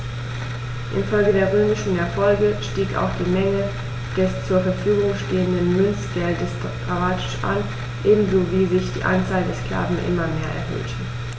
Infolge der römischen Erfolge stieg auch die Menge des zur Verfügung stehenden Münzgeldes dramatisch an, ebenso wie sich die Anzahl der Sklaven immer mehr erhöhte.